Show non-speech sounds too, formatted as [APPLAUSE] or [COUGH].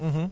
[HESITATION] [HESITATION]